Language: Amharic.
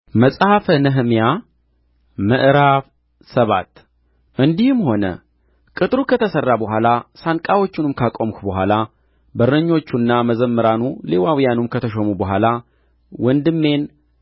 መጽሐፈ ነህምያ ምዕራፍ ሰባት እንዲህም ሆነ ቅጥሩ ከተሠራ በኋላ ሳንቃዎቹንም ካቆምሁ በኋላ በረኞቹና መዘምራኑ ሌዋውያኑም ከተሾሙ በኋላ ወንድሜን